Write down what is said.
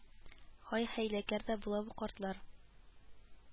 Һай хәйләкәр дә була бу картлар